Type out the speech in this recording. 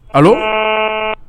Ala